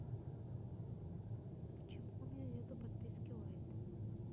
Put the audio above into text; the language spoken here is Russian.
почему у меня нету подписки лайт